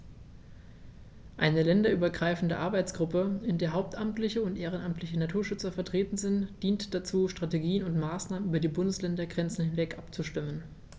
Eine länderübergreifende Arbeitsgruppe, in der hauptamtliche und ehrenamtliche Naturschützer vertreten sind, dient dazu, Strategien und Maßnahmen über die Bundesländergrenzen hinweg abzustimmen.